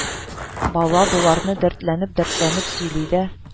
Бала боларны дәртләнеп-дәртләнеп сөйли дә: